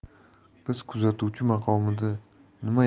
biz kuzatuvchi maqomida nima